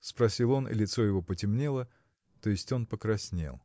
– спросил он, и лицо его потемнело, то есть он покраснел.